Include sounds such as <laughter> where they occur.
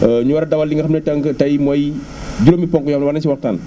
<hesitation> ñu war a dawal li nga xam ne donc tey mooy juróomi ponk yoo xam ne war nañ si waxtaan